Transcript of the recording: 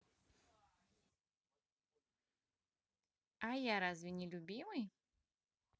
а я разве не любимый